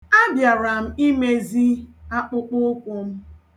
A bịara m imezi akpụkpụụkwụ m.